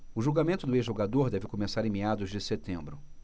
o julgamento do ex-jogador deve começar em meados de setembro